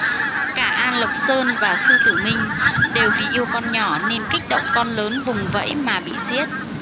cả an lộc sơn và sử tư minh đều vì yêu con nhỏ nên kích động con lớn vùng vẫy mà bị giết